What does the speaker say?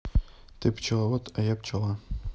ты пчеловод а я пчела